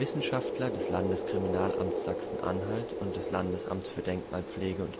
Wissenschaftler des Landeskriminalamts Sachsen-Anhalt und des Landesamts für Denkmalpflege